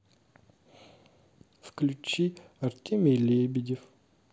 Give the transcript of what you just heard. включи артемий лебедев